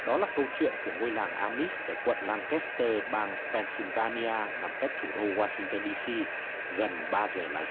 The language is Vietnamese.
đó là câu chuyện của ngôi làng a mít ở quận lan cát tơ bang pen xin va ni a nằm cách thủ đô oa sinh tơn d c gần ba giờ lái